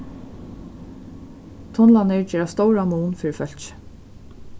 tunlarnir gera stóran mun fyri fólkið